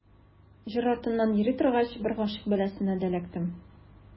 Җыр артыннан йөри торгач, бер гыйшык бәласенә дә эләктем.